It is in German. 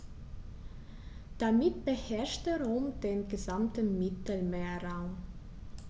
Damit beherrschte Rom den gesamten Mittelmeerraum.